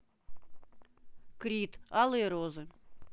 крид алые розы